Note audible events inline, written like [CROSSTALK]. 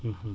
[HESITATION] [HESITATION]